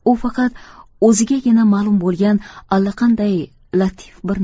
u faqat o'zigagina ma'lum bo'lgan allaqanday latif bir